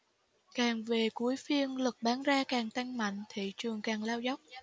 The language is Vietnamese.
càng về cuối phiên lực bán ra càng tăng mạnh thị trường càng lao dốc